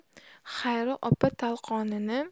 xayri opa tolqonini